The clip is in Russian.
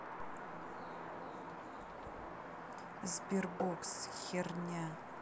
sberbox херня